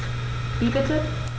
Wie bitte?